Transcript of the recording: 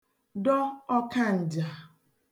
dọ ọ̀kaǹjà